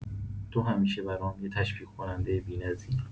تو همیشه برام یه تشویق‌کننده بی‌نظیری!